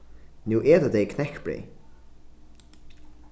nú eta tey knekkbreyð